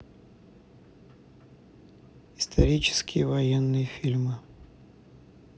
исторические военные фильмы